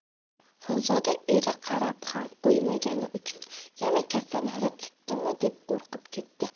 xonzoda eri qarab ham qo'ymagani uchun yana kasallari tutdimi deb qo'rqib ketdi